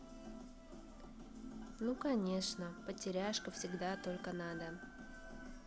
ну конечно потеряшка всегда только надо